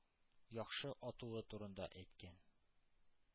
Яхшы атуы турында әйткән.